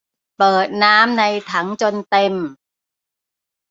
เปิดน้ำในถังจนเต็ม